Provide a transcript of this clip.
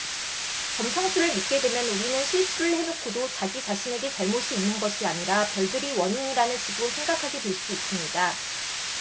점성술을 믿게 되면 우리는 실수를 해 놓고도 자기 자신에게 잘못이 있는 것이 아니라 별들이 원인이라는 식으로 생각하게 될 수 있습니다